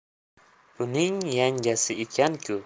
buning yangasi ekanku